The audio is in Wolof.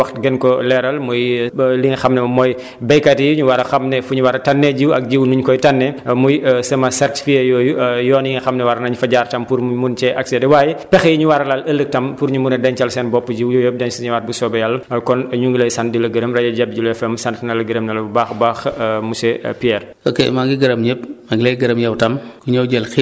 waaye ci wàllu jiw bi nga wax thème danañ ci ñëwaat ngir wax gën koo leeral muy li nga xam ne mooy béykat yi ñu war a xam ne fu ñu war a tànnee jiw ak jiw ni ñu koy tànnee muy semence certifiée yooyu yoon yi nga xam ne war nañ fa jaar tam pour mu mun cee accéder waaye pexe yi ñu war a lal ëllëg tam pour ñu mun a dencal seen bopp jiw yooyu yëpp dañ si ñëwaat bu soobee yàlla kon ñu ngi lay sant di la gërëm rajo Jabi jula FM sant na la bu baax abaab monsieur Peirre